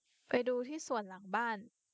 ไปดูที่สวนหลังบ้าน